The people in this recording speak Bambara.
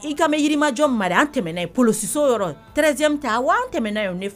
I ka mɛnirimajɔ mari tɛmɛna yen psiso tree bɛ taa tɛmɛna ye